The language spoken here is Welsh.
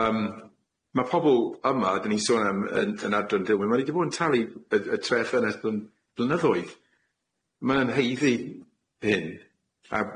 Yym ma' pobol yma dyn ni'n sôn am yn yn adran Dylwyn ma' n'w di bod yn talu yy yy tre ffynedd bl- blynyddoedd ma' nw'n haeddu hyn.